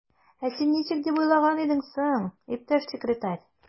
Ә син ничек дип уйлаган идең соң, иптәш секретарь?